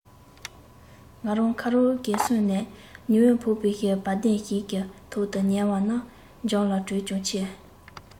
ང རང ཁ རོག གེར སོང ནས ཉི འོད ཕོག པའི བལ གདན ཞིག གི ཐོག ཏུ ཉལ བ ན འཇམ ལ དྲོད ཀྱང ཆེ